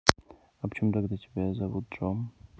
а почему тогда тебя зовут джой